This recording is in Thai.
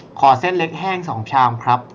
ขอเส้นเล็กแห้งสองชามครับ